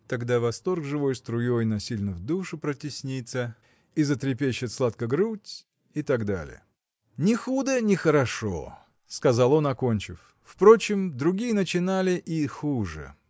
Тогда восторг живой струей Насильно в душу протеснится. И затрепещет сладко грудь. и т.д. – Ни худо, ни хорошо! – сказал он, окончив. – Впрочем, другие начинали и хуже